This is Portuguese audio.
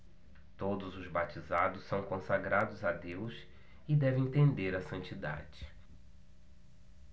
todos os batizados são consagrados a deus e devem tender à santidade